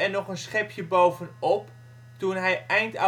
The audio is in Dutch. nog een schepje bovenop toen hij eind